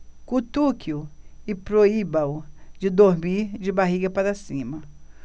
cutuque-o e proíba-o de dormir de barriga para cima